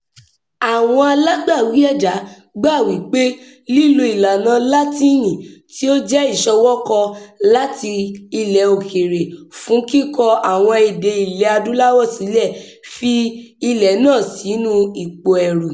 Àwọn alágbàwí èdè gbà wí pé lílo ìlànà Látíìnì, tí ó jẹ́ ìṣọwọ́kọ láti ilẹ̀ òkèèrè, fún kíkọ àwọn èdè Ilẹ̀-Adúláwọ̀ sílẹ̀, fi ilẹ̀ náà sínú ipò ẹrú.